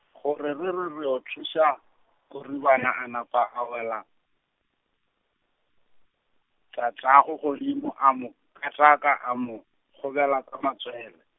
go re re re re yo thuša, Koribana a napa a wela, tatago godimo a mo, kataka a mo, gobela ka matswele.